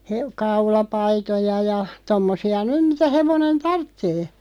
- kaulapaitoja ja tuommoisia nyt mitä hevonen tarvitsee